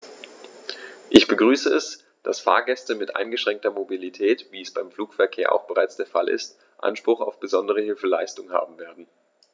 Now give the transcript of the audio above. Ich begrüße es, dass Fahrgäste mit eingeschränkter Mobilität, wie es beim Flugverkehr auch bereits der Fall ist, Anspruch auf besondere Hilfeleistung haben werden.